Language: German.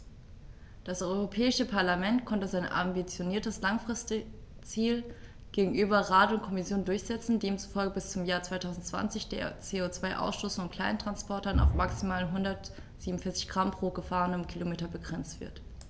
Das Europäische Parlament konnte sein ambitioniertes Langfristziel gegenüber Rat und Kommission durchsetzen, demzufolge bis zum Jahr 2020 der CO2-Ausstoß von Kleinsttransportern auf maximal 147 Gramm pro gefahrenem Kilometer begrenzt wird.